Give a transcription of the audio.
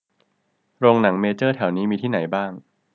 โรงหนังเมเจอร์แถวนี้มีที่ไหนบ้าง